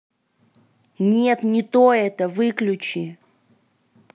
нет не то это выключи